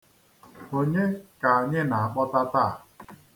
Onye ka anyị na-akpọta taa?